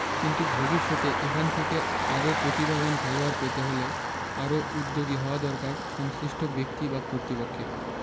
কিন্তু ভবিষ্যতে এখান থেকে আরও প্রতিভাবান খেলোয়াড় পেতে হলে আরও উদ্যোগী হওয়া দরকার সংশ্লিষ্ট ব্যক্তি বা কর্তৃপক্ষের